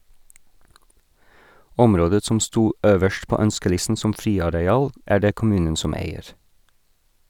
Området som sto øverst på ønskelisten som friareal, er det kommunen som eier.